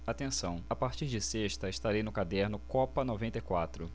atenção a partir de sexta estarei no caderno copa noventa e quatro